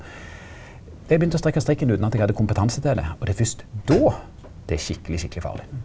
eg begynte å strekka strikken uten at eg hadde kompetanse til det og det er fyrst då det er skikkeleg skikkeleg farleg.